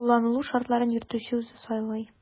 Ә кулланылу шартларын йөртүче үзе сайлый.